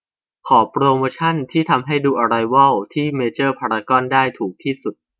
ขอโปรโมชันที่ทำให้ดูอะไรวอลที่เมเจอร์พารากอนได้ถูกที่สุด